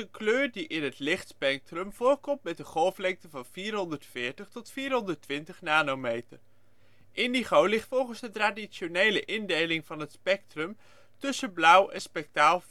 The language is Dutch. kleur die in het het lichtspectrum voorkomt met een golflengte van 440 tot 420 nanometer. Indigo ligt volgens de traditionele indeling van het spectrum tussen blauw en spectraal